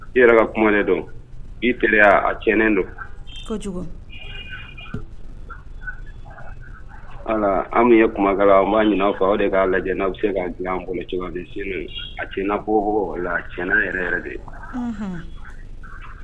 I yɛrɛ ka kumaen dɔn i t a ti don kojugu ala an ye kumakala an ma ɲin fa o de k'a lajɛ n'aw bɛ se k' jan an kɔnɔ cogo de sen a ti bɔ la ti yɛrɛ yɛrɛ de ye